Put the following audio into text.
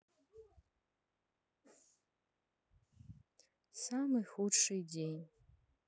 самый худший день